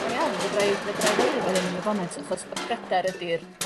ma'n iawn fedra'i fedra'i ddelio 'fo hyn yn y foment achos y pryder ydi'r